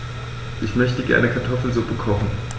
Ich möchte gerne Kartoffelsuppe kochen.